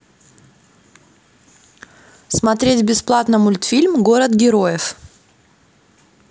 смотреть бесплатно мультфильм город героев